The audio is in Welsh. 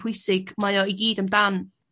pwysig mae o i gyd amdan.